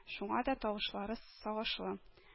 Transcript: Шуңа да тавышлары сагышлы